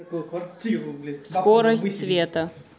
скорость света